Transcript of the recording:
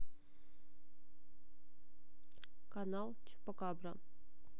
канал чупакабра